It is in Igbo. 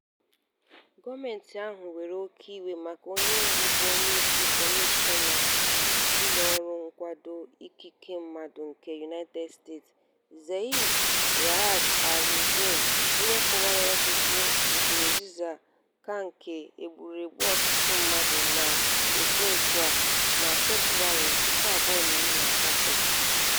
Gọọmentị ahụ were oke iwe maka onye bụbu onyeisi Kọmishọna ụlọọrụ nkwado ikike mmadụ nke United Nations, Zeid Ra'ad Al Hussein, onye kọwara ọchịchị Nkurunziza ka nke "e gburu ọtụtụ ndị mmadụ na nso nso a" na Febụwarị 2018.